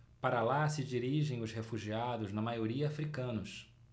para lá se dirigem os refugiados na maioria hútus